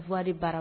Voie de bara